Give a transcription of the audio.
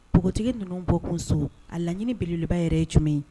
Npogo ninnu bɔ kunso a laɲini beleliba yɛrɛ ye jumɛn